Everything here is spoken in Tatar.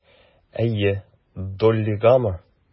Әйе, Доллигамы?